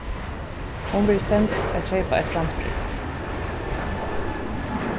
hon verður send at keypa eitt franskbreyð